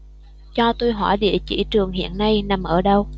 cho tôi hỏi địa chỉ trường hiện nay nằm ở đâu